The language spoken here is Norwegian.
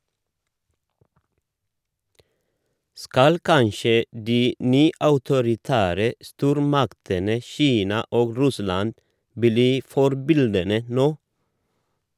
Skal kanskje de nyautoritære stormaktene Kina og Russland bli forbildene nå?